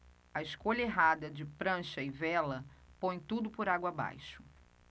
a escolha errada de prancha e vela põe tudo por água abaixo